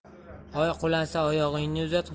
oy qulansa oyog'ingni uzat